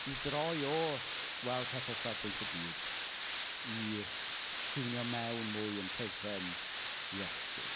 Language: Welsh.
I droi o weld pethau o safbwynt y byd i tiwnio mewn mwy yn rhythm Iesu.